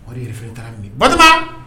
O de yɛrɛ fɛn taara min batba